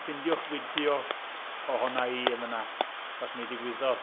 Ffeindiwch fideo ohona i yn fan'na, achos mi ddigwyddodd.